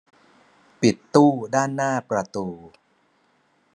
ปิดตู้ด้านหน้าประตู